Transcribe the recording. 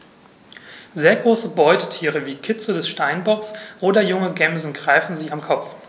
Sehr große Beutetiere wie Kitze des Steinbocks oder junge Gämsen greifen sie am Kopf.